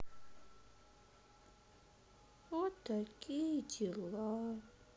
вот такие дела